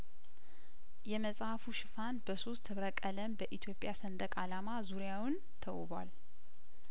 የመጽሀፉ ሽፋን በሶስት ህብረ ቀለም በኢትዮጵያ ሰንደቅ አላማ ዙሪያውን ተውቧል